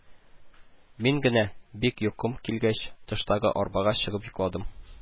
Мин генә, бик йокым килгәч, тыштагы арбага чыгып йокладым